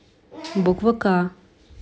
буква ка